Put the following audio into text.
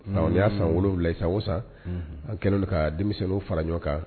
Y'a sanwula i sa san an kɛlen kaa denmisɛnw fara ɲɔgɔn kan